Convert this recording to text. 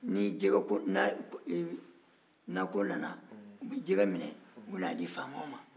ni nako nana u bɛ jɛgɛ minɛ u bɛ n'a di faama ma